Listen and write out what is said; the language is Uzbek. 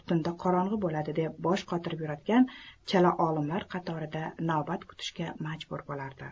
tunda qorong'i bo'ladi deb bosh qotirib yuradigan chala olimlar qatorida navbat kutishga majbur bo'ldi